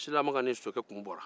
alifa silamakan ni sokɛ kun bɔra